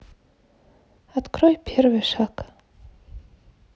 открой первый шаг